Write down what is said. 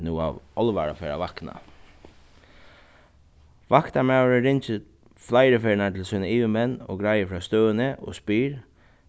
nú av álvara fer at vakna vaktarmaðurin ringir fleiri ferðir til sínar yvirmenn og greiðir frá støðuni og spyr